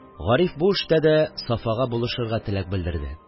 Гариф бу эштә дә Сафага булышырга теләк белдерде.